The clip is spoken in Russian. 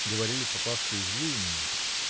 — говорили попавшие в злую минуту.